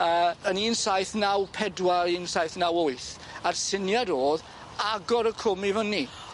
Yy yn un saith naw pedwar un saith naw wyth a'r siniad o'dd agor y cwm i fyny.